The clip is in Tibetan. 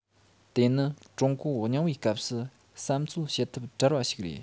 དེ ནི ཀྲུང གོ རྙིང པའི སྐབས སུ བསམ ཚོད བྱེད ཐབས བྲལ བ ཞིག རེད